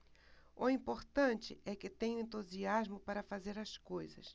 o importante é que tenho entusiasmo para fazer as coisas